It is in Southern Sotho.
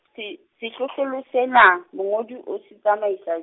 te- sehlohlolo sena, mongodi o se tsamaisa.